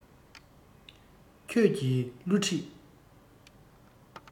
ཁྱེད ཀྱི བསླུ བྲིད